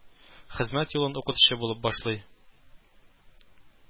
Хезмәт юлын укытучы булып башлый